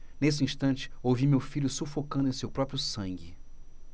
nesse instante ouvi meu filho sufocando em seu próprio sangue